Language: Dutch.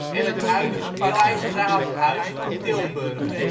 en het huidige Paleis-Raadhuis van Tilburg